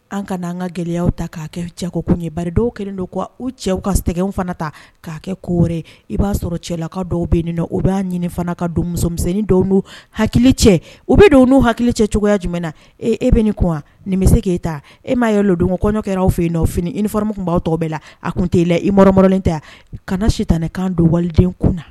An ka an ka gɛlɛya ta k'a kɛ cɛkokun ye ba dɔw kɛlen don u cɛw ka sɛgɛnw fana ta k'a kɛ koɔri i b'a sɔrɔ cɛlala ka dɔw bɛ nin na o b'a ɲini fana ka don musomanmisɛnnin dɔw don hakili cɛ u bɛ don n' hakili cɛ cogoyaya jumɛn na ee e bɛ nin kun ninmi se k'eyita ta e m'a don ko kɔɲɔkɛw fɛ yen nɔ fini i fanama tun b' aw tɔgɔ bɛɛ la a tun t tɛ' la i m mlen ta kana si tan kan don waliden kun na